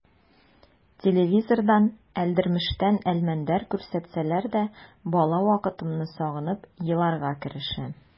Телевизордан «Әлдермештән Әлмәндәр» күрсәтсәләр дә бала вакытымны сагынып еларга керешәм.